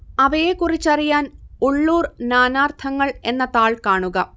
അവയെക്കുറിച്ചറിയാൻ ഉള്ളൂർ നാനാർത്ഥങ്ങൾ എന്ന താൾ കാണുക